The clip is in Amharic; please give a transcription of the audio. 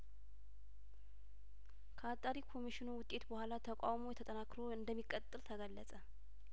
ከአጣሪ ኮሚሽኑ ውጤት በኋላ ተቋውሞ ተጠናክሮ እንደሚቀጥል ተገለጸ